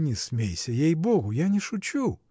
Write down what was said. — Не смейся, ей-богу, я не шучу.